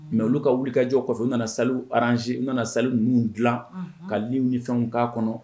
Mais olu ka wilikajɔw kɔfɛ u nana salle w ranger u nana salle ninnu dilan unhun ka lit w ni fɛnw k'a kɔnɔ